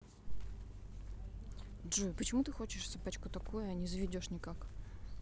джой почему ты хочешь собачку такую а не заведешь никак